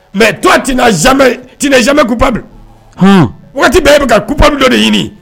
Mais toi tu n'as jamais, tu n'es jamais coupable, han, wagati bɛɛ e bɛ ka coupable dɔ de ɲini